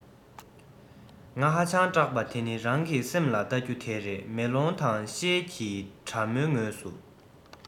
ང ཧ ཅང སྐྲག པ ནི རང གི སེམས ལ བལྟ རྒྱུ དེ རེད མེ ལོང དང ཤེལ གྱི དྲ མའི ངོས སུ